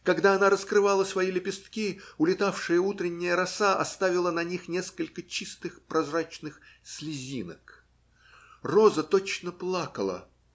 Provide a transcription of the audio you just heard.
когда она раскрывала свои лепестки, улетавшая утренняя роса оставила на них несколько чистых, прозрачных слезинок. Роза точно плакала.